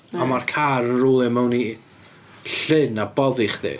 A ma'r car yn rowlio mewn i llyn a boddi chdi.